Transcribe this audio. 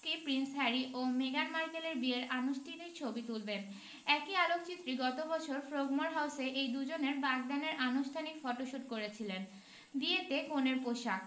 Prince Harry ও মেগান মার্কেলের বিয়ের আনুষ্ঠানিক ছবি তুলবেন একই আলোকচিত্রী গত বছর ফ্রোগমোর হাউসে এই দুজনের বাগদানের আনুষ্ঠানিক ফটোশুট করেছিলেন বিয়েতে কনের পোশাক